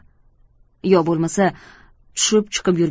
yo bo'lmasa tushib chiqib